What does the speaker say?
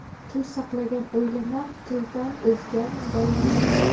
til saqlagan o'ylanar tildan ozgan boylanar